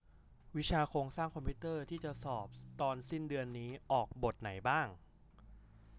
วิชาโครงสร้างคอมพิวเตอร์ที่จะสอบตอนสิ้นเดือนนี้ออกบทไหนบ้าง